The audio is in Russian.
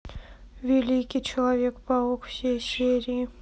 великий человек паук все серии